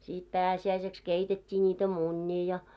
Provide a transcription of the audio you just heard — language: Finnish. sitten pääsiäiseksi keitettiin niitä munia ja